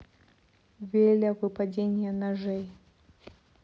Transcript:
веля выпадение ножей